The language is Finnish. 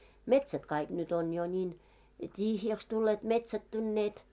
metsät kaikki nyt on jo niin tyhjäksi tulleet metsättyneet